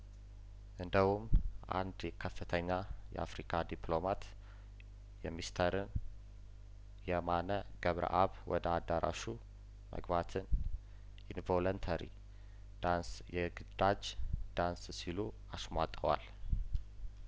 እንደ ውም አንድ ከፍተኛ የአፍሪካ ዲፕሎማት የሚስተርን የማነ ገብረአብ ወደ አዳራሹ መግባትን ኢን ቮለንተሪ ዳንስ የግዳጅ ዳንስ ሲሉ አሽሟጠዋል